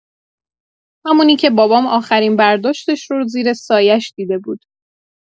همونی که بابام آخرین برداشتش رو زیر سایه‌ش دیده بود.